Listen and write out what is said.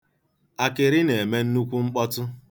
Akịrị na-eme nnukwu mkpọtụ.